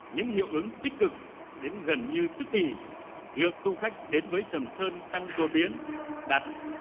những hiệu ứng tích cực đến gần như tức thì lượng du khách đến với sầm sơn tăng đột biến đạt